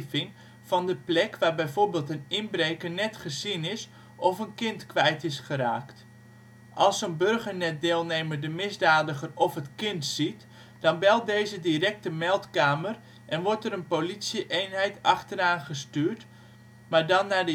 de in de omtrek van de plek waar bijvoorbeeld een inbreker net gezien is of een kind kwijt is geraakt. Als zo 'n Burgernetdeelnemer de misdadiger of het kind ziet, dan belt deze direct de meldkamer en wordt er een politie-eenheid achteraan gestuurd, maar dan naar